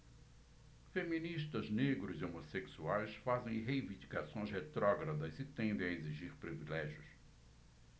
feministas negros e homossexuais fazem reivindicações retrógradas e tendem a exigir privilégios